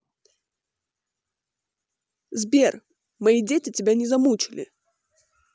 сбер мои дети тебя не замучили